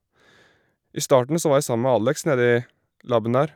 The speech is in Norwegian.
I starten så var jeg sammen med Alex nedi laben der.